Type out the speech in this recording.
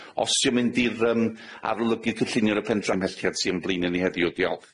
Os 'di o'n mynd i'r yym arolygydd cynllunio y sydd o'n blaenau ni heddiw, diolch.